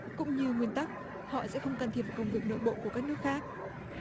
cũng như nguyên tắc họ sẽ không can thiệp vào công việc nội bộ của các nước khác